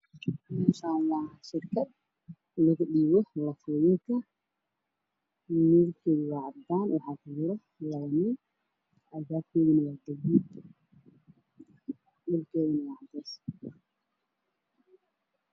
Meeshaan waa Shir kada la dhigto lacagta albaab keedu waa madow